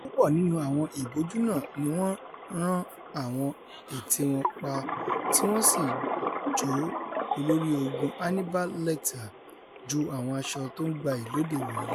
Púpọ̀ nínú àwọn ìbòjú náà niwọ́n rán àwọn ètè wọn pa ti wọ́n sì jọ Olóri-ogun Hannibal Lecter ju àwọn asọ tó ńgbayì lóde ìwòyí lọ.